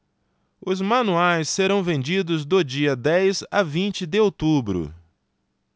os manuais serão vendidos do dia dez a vinte de outubro